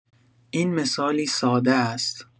این مثالی ساده است.